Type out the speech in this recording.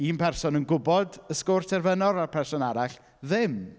Un person yn gwybod y sgôr terfynol a'r person arall ddim.